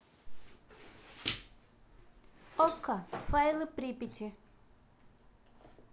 okko файлы припяти